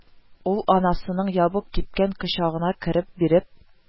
Ул анасының ябык, кипкән кочагына керә биреп: